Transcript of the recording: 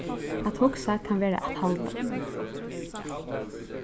at hugsa kann vera at halda